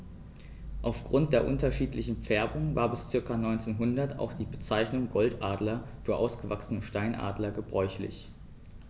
Auf Grund der unterschiedlichen Färbung war bis ca. 1900 auch die Bezeichnung Goldadler für ausgewachsene Steinadler gebräuchlich.